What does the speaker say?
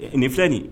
Nin filɛ nin